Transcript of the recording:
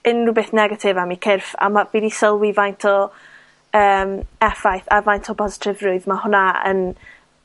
unryw beth negatif am 'u cyrff, a ma', fi 'di sylwi faint o yym effaith a faint o bositryfrwydd ma' hwnna yn